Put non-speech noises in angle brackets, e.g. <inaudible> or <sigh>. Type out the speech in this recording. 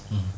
<hesitation> <hesitation>